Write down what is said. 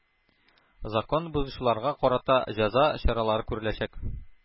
Закон бозучыларга карата җәза чаралары күреләчәк.